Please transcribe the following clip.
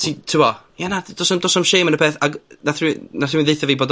ti t'bo', ie na, do's na'm do's na'm shame yn y peth, ag nath rywu- nath rywun ddeutho fi bod o